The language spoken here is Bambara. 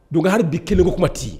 Don hali bi kelen ko kuma t